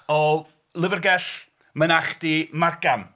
O lyfrgell mynachdy Margam